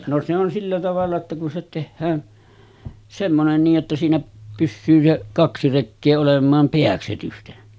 no se on sillä tavalla jotta kun se tehdään semmoinen niin että siinä pysyy se kaksi rekeä olemaan pääksetysten